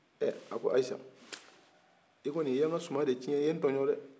a ko ayisa e kɔni e y'an ka suman de cɛn e ye n tɔɲɔ dɛɛ